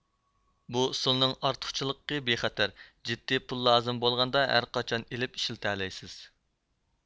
بۇ ئۇسۇلنىڭ ئارتۇقچىلىقى بىخەتەر جىددىي پۇل لازىم بولغاندا ھەرقاچان ئېلىپ ئىشلىتەلەيسىز